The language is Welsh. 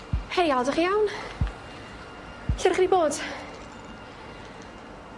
Hei Al 'dych chi iawn? Lle 'dych chi 'di bod?